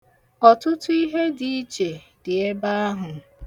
Ọtụtụ ihe dị iche dị ebe ahụ.